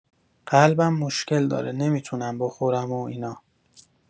قلبم مشکل داره نمی‌تونم بخورم و اینا